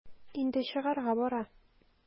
Инде чыгарга бара.